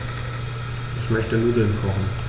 Ich möchte Nudeln kochen.